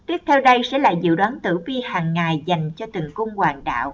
tiếp theo đây sẽ là dự đoán tử vi hàng ngày dành cho từng cung hoàng đạo